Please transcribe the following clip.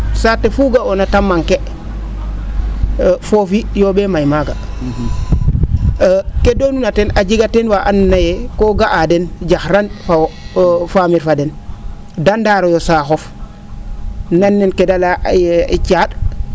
saate fu ga'oona te manquer foofi yoo?ee may maaga ke doonuna teen a jega waa andoona yee koo ga'aa den jaxran fo wo faamir fa den nda ndaarooyo saaxof nan nena kee da layaa a caa?